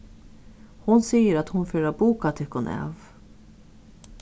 hon sigur at hon fer at buka tykkum av